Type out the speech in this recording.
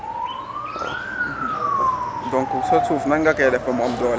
donc sa suuf nan nga koy def ba mu am doole